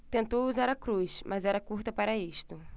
tentou usar a cruz mas era curta para isto